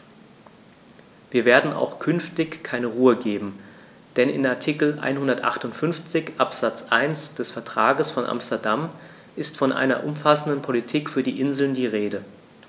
Wir werden auch künftig keine Ruhe geben, denn in Artikel 158 Absatz 1 des Vertrages von Amsterdam ist von einer umfassenden Politik für die Inseln die Rede.